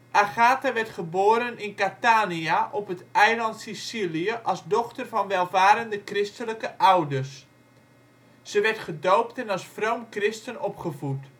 Agatha werd geboren in Catania op het eiland Sicilië als dochter van welvarende christelijke ouders. Ze werd gedoopt en als vroom christen opgevoed